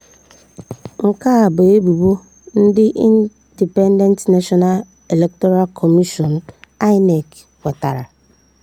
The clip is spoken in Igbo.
Nke a bụ ebubo ndị Independent National Electoral Commission (INEC) kwetara.